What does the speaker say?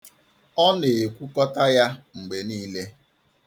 Ọ na-ekwukọta ya mgbe niile.